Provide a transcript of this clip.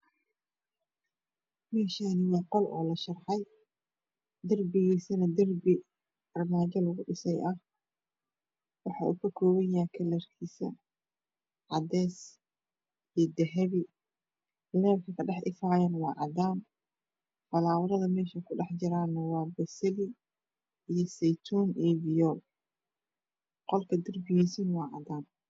Meshaani wa qol lasharxay darpigiisana waa darpi armaajo lagu dhisay ah kalrkiisna wa uu kakoopanbyahy cadees iyo dahpi leerka kadhax ifaayana waa cadaan falaawaraða meeha ey ku jiraana waa pasali iyo seytuun fiyool qolka darpigisna wa cadaan